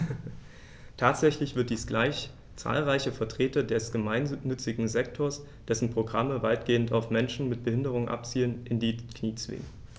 Tatsächlich wird dies gleich zahlreiche Vertreter des gemeinnützigen Sektors - dessen Programme weitgehend auf Menschen mit Behinderung abzielen - in die Knie zwingen.